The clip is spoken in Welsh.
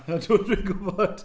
Ydw dwi'n gwbod.